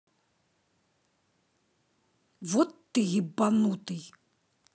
вот ты ебанутый